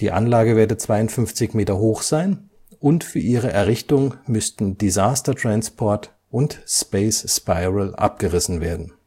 Anlage werde 52 Meter hoch sein und für ihre Errichtung müssten Disaster Transport und Space Spiral abgerissen werden